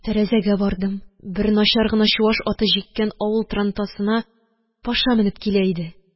Тәрәзәгә бардым. Бер начар гына чуваш аты җиккән авыл трантасына Паша менеп килә иде.